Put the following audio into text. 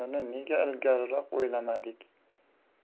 ekanini nega ilgariroq o'ylamadik